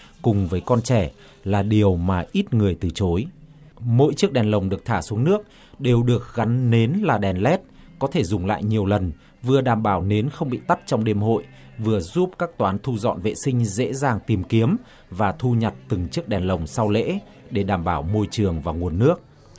cùng với con trẻ là điều mà ít người từ chối mỗi chiếc đèn lồng được thả xuống nước đều được gắn nến là đèn lét có thể dùng lại nhiều lần vừa đảm bảo nến không bị tắt trong đêm hội vừa giúp các toán thu dọn vệ sinh dễ dàng tìm kiếm và thu nhặt từng chiếc đèn lồng sau lễ để đảm bảo môi trường và nguồn nước